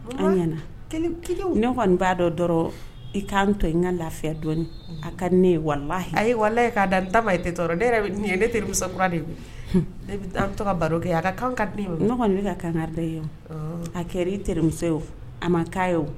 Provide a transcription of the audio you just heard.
An nana kelen ne kɔni b'a dɔ dɔrɔn i kanan tɔ i ka lafiya dɔɔnini a ka ne ye wala a ye wala ye k'a da taba ye tɔɔrɔ ne ne teri musakura de ne bɛ ka baro kɛ a ka kan ka ne kɔni ne ka kankari ye a kɛra i terimuso a man ye